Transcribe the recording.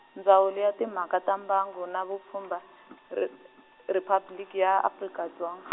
Ndzawulo ya Timhaka ta Mbango na Vupfhumba, Ri- Riphabliki ya Afrika Dzonga.